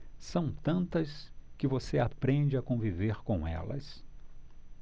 são tantas que você aprende a conviver com elas